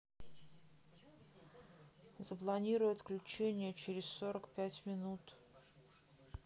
запланируй отключение через сорок пять минут